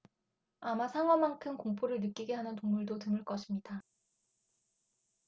아마 상어만큼 공포를 느끼게 하는 동물도 드물 것입니다